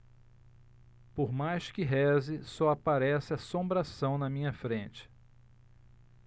por mais que reze só aparece assombração na minha frente